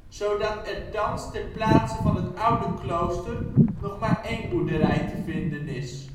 zodat er thans ter plaatse van het oude klooster nog maar één boerderij te vinden is